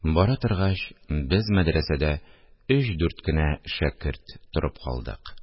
Бара торгач, без мәдрәсәдә өч-дүрт кенә шәкерт торып калдык